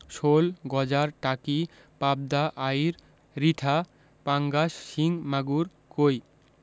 শোল গজার টাকি পাবদা আইড় রিঠা পাঙ্গাস শিং মাগুর কৈ